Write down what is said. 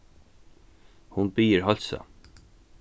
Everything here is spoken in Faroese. hon biður heilsa